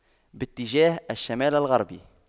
باتجاه الشمال الغربي